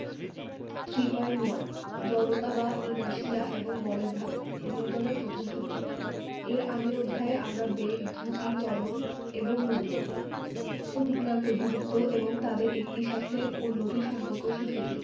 3.1 জড়তা বা ইনারশিয়া এবং বলের ধারণা নিউটনের প্রথম সূত্র এর আগের অধ্যায়ে আমরা বেগ দ্রুতি ত্বরণ এবং মন্দন অতিক্রান্ত দূরত্ব এবং তাদের একটির সাথে অন্যটির সম্পর্ক শিখেছি